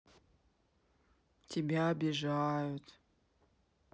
тебя обижают